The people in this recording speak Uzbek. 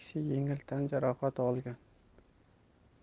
kishi yengil tan jarohati olgan